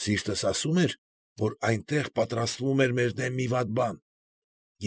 Սիրտս ասում էր, որ այնտեղ պատրաստվում էր մեր դեմ մի վատ բան։